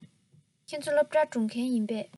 ཁྱེད ཚོ སློབ གྲྭར འགྲོ མཁན ཡིན པས